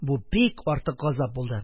Бу - бик артык газап булды.